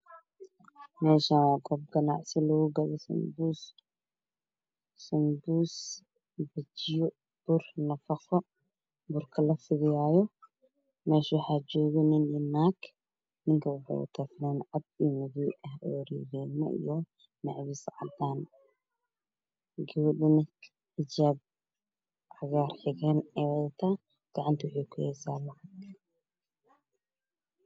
Meeshan waa goob ganicsi lagu gado sida sanbuus bajiyo bur nafaqo burka lafidiyaayo meesha waxaa joogo nin iyo naag ninka waxa uu wataa funaanad cad riigriigmo iyo macamuus cadaan ah gabadhana xijaab cagaar xigeen ah vey wadtaa gacanta waxa ay ku haysaa